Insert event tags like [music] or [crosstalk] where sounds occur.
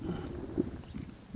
[hesitation] [hesitation]